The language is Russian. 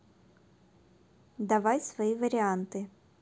давай свои варианты